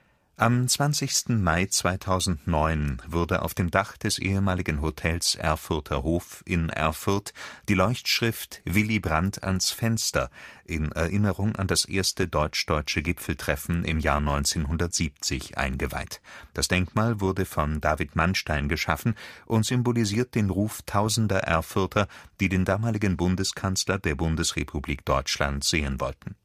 Am 20. Mai 2009 wurde auf dem Dach des ehemaligen Hotels „ Erfurter Hof “in Erfurt die Leuchtschrift „ Willy Brandt ans Fenster “in Erinnerung an das erste deutsch-deutsche Gipfeltreffen im Jahr 1970 eingeweiht. Das Denkmal wurde von David Mannstein geschaffen und symbolisiert den Ruf tausender Erfurter, die den damaligen Bundeskanzler der Bundesrepublik Deutschland sehen wollten